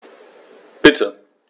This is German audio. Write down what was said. Bitte.